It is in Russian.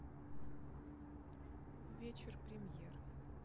вечер премьер